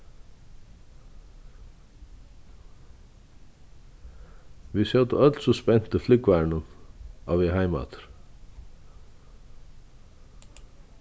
vit sótu øll so spent í flúgvaranum á veg heim aftur